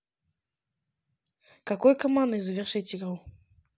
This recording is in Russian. какой командой завершить игру